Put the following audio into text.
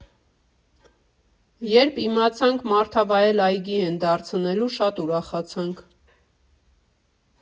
Երբ իմացանք՝ մարդավայել այգի են դարձնելու, շատ ուրախացանք։